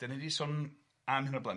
Dan ni di sôn am hyn o blaen.